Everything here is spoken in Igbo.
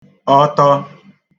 ọtọ